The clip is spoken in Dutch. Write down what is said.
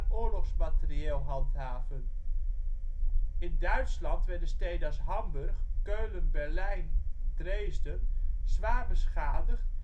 oorlogsmaterieel handhaven. In Duitsland werden steden als Hamburg, Keulen, Berlijn, Dresden zwaar beschadigd